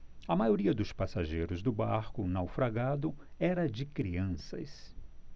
a maioria dos passageiros do barco naufragado era de crianças